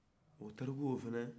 o tariku fana